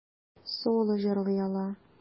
Соло җырлый ала.